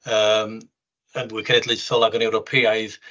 Yym, yn fwy cenedlaethol ac yn Ewropeaidd.